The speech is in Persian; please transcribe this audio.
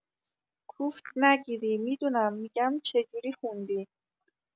کوفت نگیری می‌دونم می‌گم چجوری خوندی